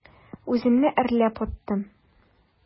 Үземне әрләп аттым.